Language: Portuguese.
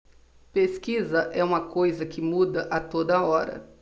pesquisa é uma coisa que muda a toda hora